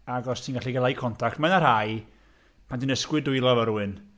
Ac os ti'n gallu gael eye contact... Mae yna rhai, pan ti'n ysgwyd dwylo efo rywun...